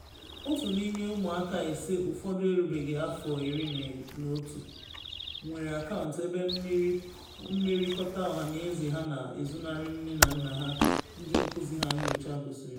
Otu n’ime ụmụaka ise - ụfọdụ erubeghị afọ 11 - nwere akaụntụ ebe mmerịkọta ọhaneze ha na ezonarị nne na nna na ndị nkuzi ha, nyocha gosiri